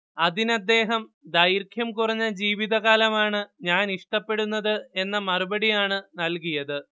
അതിനദ്ദേഹം ദൈർഘ്യം കുറഞ്ഞ ജീവിതകാലമാണ് ഞാൻ ഇഷ്ടപ്പെടുന്നത് എന്ന മറുപടിയാണ് നൽകിയത്